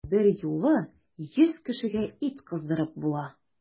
Берьюлы йөз кешегә ит кыздырып була!